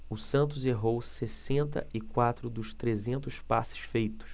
o santos errou sessenta e quatro dos trezentos passes feitos